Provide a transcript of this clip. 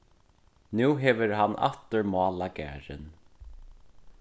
nú hevur hann aftur málað garðin